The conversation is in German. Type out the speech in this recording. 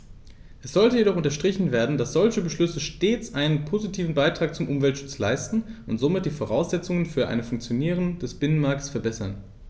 Es sollte jedoch unterstrichen werden, dass solche Beschlüsse stets einen positiven Beitrag zum Umweltschutz leisten und somit die Voraussetzungen für ein Funktionieren des Binnenmarktes verbessern.